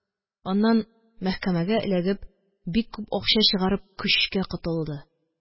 Аннан мәхкәмәгә эләгеп, бик күп акча чыгарып, көчкә котылды